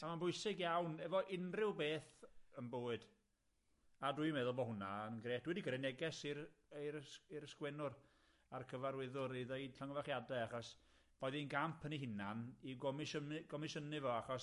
A mae'n bwysig iawn efo unryw beth yn bywyd, a dwi'n meddwl bod hwnna'n grêt. Dwi wedi gyrru neges i'r i'r i'r sgwennwr a'r cyfarwyddwr i ddeud llongyfarchiade achos roedd hi'n gamp yn 'i hunan i gomisiyni gomisiyni fo achos,